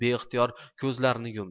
u beixtiyor ko'zlarini yumdi